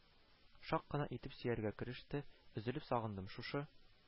Шак кына итеп сөяргә кереште: – өзелеп сагындым шушы